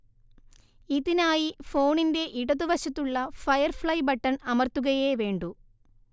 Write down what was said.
ഇതിനായി ഫോണിന്റെ ഇടതുവശത്തുള്ള ഫയർഫ്ളൈ ബട്ടൺ അമർത്തുകയേ വേണ്ടൂ